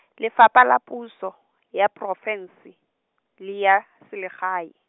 Lefapha la Puso, ya Porofense, le ya, Selegae.